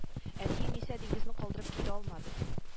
Әтиең исә диңгезне калдырып китә алмады